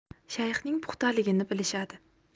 shayxning puxtaligini bilishadi